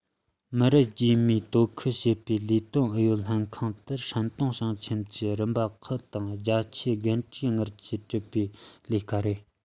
མི རབས རྗེས མར དོ ཁུར བྱེད པའི ལས དོན ཨུ ཡོན ལྷན ཁང དུ ཧྲན ཏུང ཞིང ཆེན གྱི རིམ པ ཁག དང རྒྱ ཆེའི རྒན གྲས ལྔར ཀྱིས བསྒྲུབས པའི ལས ཀ རེད